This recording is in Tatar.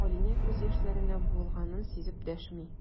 Алинә күз яшьләренә буылганын сизеп дәшми.